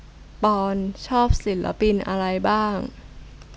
ปอนด์ชอบศิลปินอะไรบ้าง